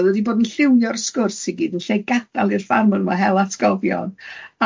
o'dd o di bod yn llywio'r sgwrs i gyd yn lle gadal i'r ffarmwr 'ma hel atgofion.